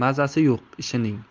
mazasi yo'q ishining